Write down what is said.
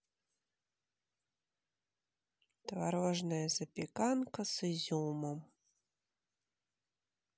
творожная запеканка с изюмом